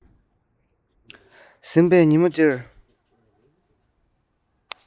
ཟིན པའི ཉིན མོ དེར